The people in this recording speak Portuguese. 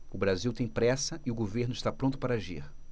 o brasil tem pressa e o governo está pronto para agir